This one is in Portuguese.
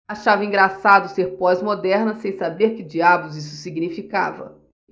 achava engraçado ser pós-moderna sem saber que diabos isso significava